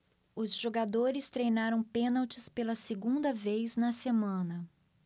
os jogadores treinaram pênaltis pela segunda vez na semana